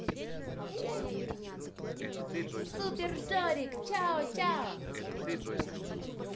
супер жорик чао чао